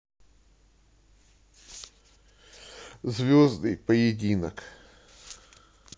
звездный поединок